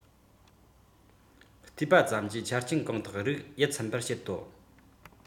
བལྟས པ ཙམ གྱིས ཆ རྐྱེན གང དག རིགས ཡིད ཚིམ པར བྱེད དོ